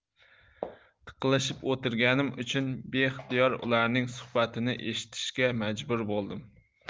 tiqilishib o'tirganim uchun beixtiyor ularning suhbatini eshitishga majbur bo'ldim